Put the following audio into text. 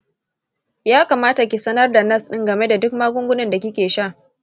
ya kamata ki sanar da nas ɗin game da duk magungunan da kike sha.